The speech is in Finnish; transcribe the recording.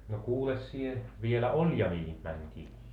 no kuules sinä vielä oljamiin mentiin